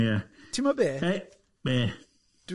Ie tibod be? Be, reit